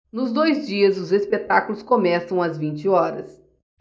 nos dois dias os espetáculos começam às vinte horas